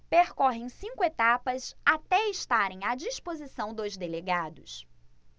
percorrem cinco etapas até estarem à disposição dos delegados